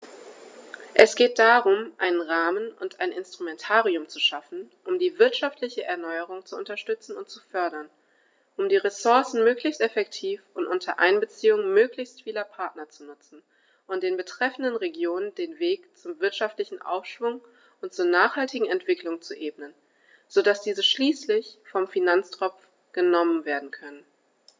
Es geht darum, einen Rahmen und ein Instrumentarium zu schaffen, um die wirtschaftliche Erneuerung zu unterstützen und zu fördern, um die Ressourcen möglichst effektiv und unter Einbeziehung möglichst vieler Partner zu nutzen und den betreffenden Regionen den Weg zum wirtschaftlichen Aufschwung und zur nachhaltigen Entwicklung zu ebnen, so dass diese schließlich vom Finanztropf genommen werden können.